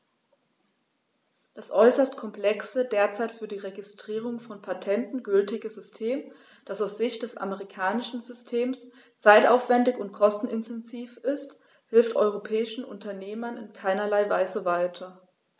Das äußerst komplexe, derzeit für die Registrierung von Patenten gültige System, das aus Sicht des amerikanischen Systems zeitaufwändig und kostenintensiv ist, hilft europäischen Unternehmern in keinerlei Weise weiter.